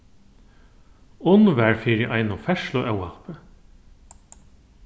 unn var fyri einum ferðsluóhappi